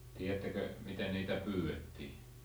tiedättekö miten niitä pyydettiin